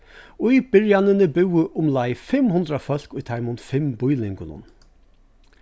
í byrjanini búðu umleið fimm hundrað fólk í teimum fimm býlingunum